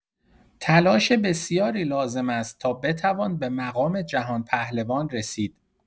تلاش بسیاری لازم است تا بتوان به مقام جهان‌پهلوان رسید.